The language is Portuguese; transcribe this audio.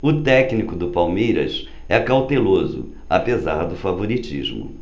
o técnico do palmeiras é cauteloso apesar do favoritismo